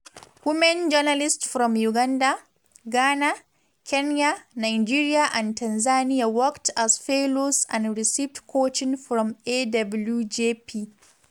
Women journalists from Uganda, Ghana, Kenya, Nigeria and Tanzania worked as fellows and received coaching from AWJP.